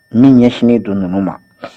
Min ɲɛsinnen don nunun ma.